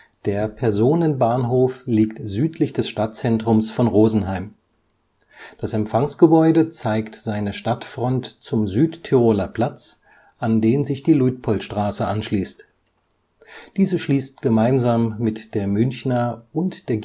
Der Personenbahnhof liegt südlich des Stadtzentrums von Rosenheim. Das Empfangsgebäude zeigt seine Stadtfront zum Südtiroler Platz, an den sich die Luitpoldstraße anschließt. Diese schließt gemeinsam mit der Münchener und der